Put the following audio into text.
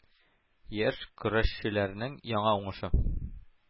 Яшь көрәшчеләрнең яңа уңышы